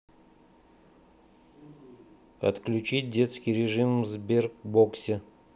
отключить детский режим в сбербоксе